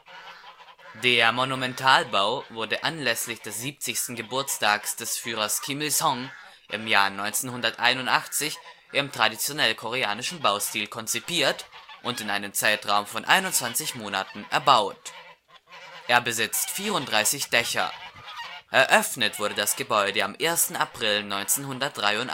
Der Monumentalbau wurde anlässlich des 70. Geburtstags des Führers Kim Il-sung im Jahr 1981 im traditionell-koreanischen Baustil konzipiert und in einem Zeitraum vom 21 Monaten erbaut. Er besitzt 34 Dächer. Eröffnet wurde das Gebäude am 1. April 1983. Über